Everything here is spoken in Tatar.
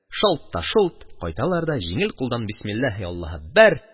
Шалт та шолт. Кайталар да җиңел кулдан бисмиллаһи Аллаһе әкбәр...